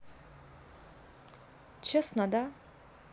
честно да